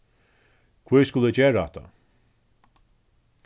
hví skulu vit gera hatta